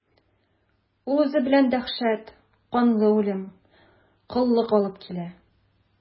Ул үзе белән дәһшәт, канлы үлем, коллык алып килә.